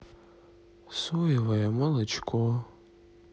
соевое молочко